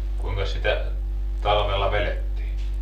kuinkas sitä talvella vedettiin